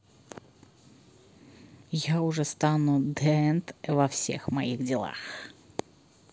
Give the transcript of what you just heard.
я уже стану d and во всех моих делах